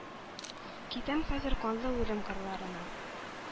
Китәм хәзер канлы үлем кырларына!